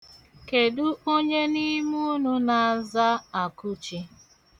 Kedu onye n'ime unu na-aza Akụchi?